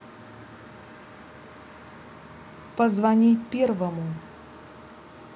позвони первому